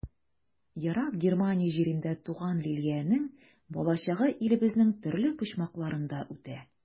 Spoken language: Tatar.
Ерак Германия җирендә туган Лилиянең балачагы илебезнең төрле почмакларында үтә.